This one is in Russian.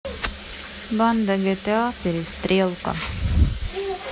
банда гта перестрелка